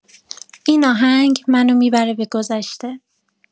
این آهنگ منو می‌بره به گذشته